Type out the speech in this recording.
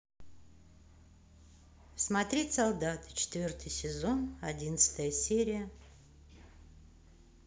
смотреть солдаты четвертый сезон одиннадцатая серия